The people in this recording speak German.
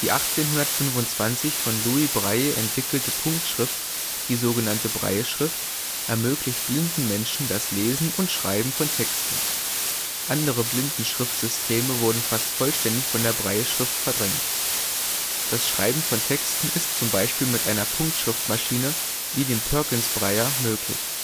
1825 von Louis Braille entwickelte Punktschrift, die sogenannte Brailleschrift, ermöglicht blinden Menschen das Lesen und Schreiben von Texten. Andere Blindenschriftsysteme wurden fast vollständig von der Brailleschrift verdrängt. Das Schreiben von Texten ist z. B. mit einer Punktschriftmaschine wie dem Perkins-Brailler möglich